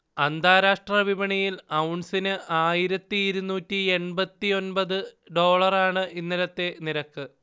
അന്താരാഷ്ര്ട വിപണിയിൽ ഔൺസിന് ആയിരത്തി ഇരുന്നൂറ്റിഎൺപത്തിഒൻപത് ഡോളറാണ് ഇന്നലത്തെ നിരക്ക്